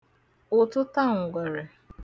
ụ̀tụtaǹgwèrè